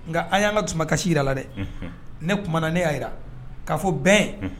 Nka an y'an ka tun kasisi la la dɛ ne tuma na ne y'a jira k'a fɔ bɛn